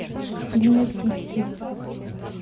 фильмы титьки